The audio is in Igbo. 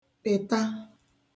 kpị̀ta